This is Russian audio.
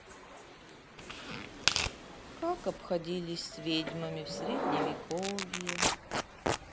как обходились с ведьмами в средневековье